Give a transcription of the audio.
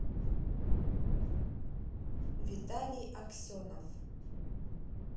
виталий аксенов